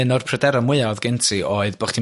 un o'r pryderon mwya' o'dd gen ti oedd bo' chdi'n